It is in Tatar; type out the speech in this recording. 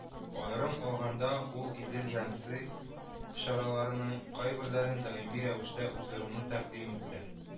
Аерым алганда, ул “идел-янцзы” чараларының кайберләрен даими рәвештә уздыруны тәкъдим итте